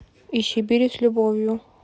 из сибири с любовью